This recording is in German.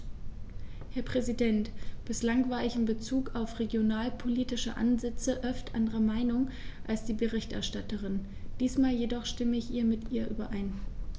Herr Präsident, bislang war ich in Bezug auf regionalpolitische Ansätze oft anderer Meinung als die Berichterstatterin, diesmal jedoch stimme ich mit ihr überein.